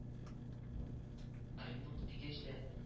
Оренбург дигәч тә